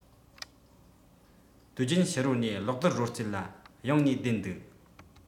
དུས རྒྱུན ཕྱི རོལ ནས གློག རྡུལ རོལ རྩེད ལ གཡེང ནས བསྡད འདུག